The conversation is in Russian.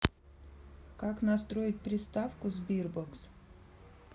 как настроить приставку sberbox